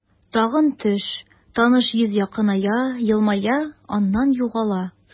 Тагын төш, таныш йөз якыная, елмая, аннан югала.